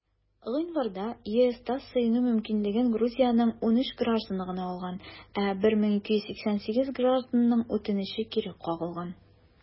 Гыйнварда ЕСта сыену мөмкинлеген Грузиянең 13 гражданы гына алган, ә 1288 гражданның үтенече кире кагылган.